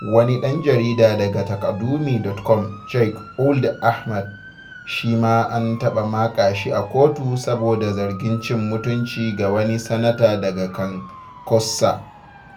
wani ɗan jarida daga Taqadoumy.com, Cheikh Ould Ahmed, shi ma an taɓa maka shi a kotu saboda zargin cin mutunci ga wani Sanata daga Kankossa.